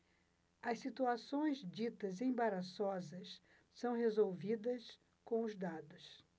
as situações ditas embaraçosas são resolvidas com os dados